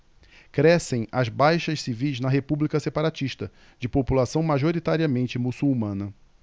crescem as baixas civis na república separatista de população majoritariamente muçulmana